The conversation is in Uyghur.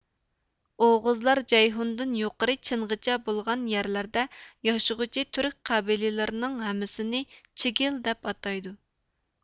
ئوغۇزلار جەيھۇندىن يۇقىرى چىنغىچە بولغان يەرلەردە ياشىغۇچى تۈرك قەبىلىلىرىنىڭ ھەممىسىنى چىگىل دەپ ئاتايدۇ